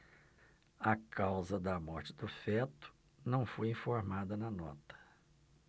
a causa da morte do feto não foi informada na nota